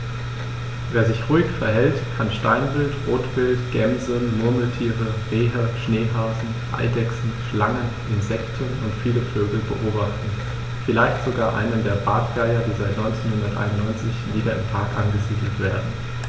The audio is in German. Wer sich ruhig verhält, kann Steinwild, Rotwild, Gämsen, Murmeltiere, Rehe, Schneehasen, Eidechsen, Schlangen, Insekten und viele Vögel beobachten, vielleicht sogar einen der Bartgeier, die seit 1991 wieder im Park angesiedelt werden.